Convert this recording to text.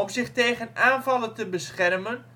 zich tegen aanvallen te beschermen